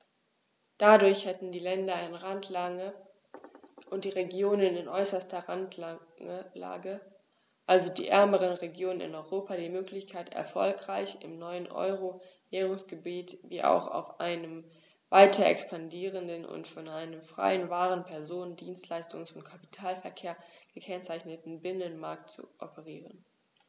Dadurch hätten die Länder in Randlage und die Regionen in äußerster Randlage, also die ärmeren Regionen in Europa, die Möglichkeit, erfolgreich im neuen Euro-Währungsgebiet wie auch auf einem weiter expandierenden und von einem freien Waren-, Personen-, Dienstleistungs- und Kapitalverkehr gekennzeichneten Binnenmarkt zu operieren.